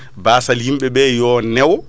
basall yimɓeɓe yo newo